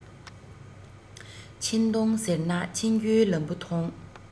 ཕྱིན གཏོང ཟེར ན ཕྱིན རྒྱུའི ལམ བུ ཐོང